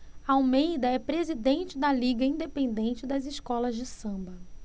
almeida é presidente da liga independente das escolas de samba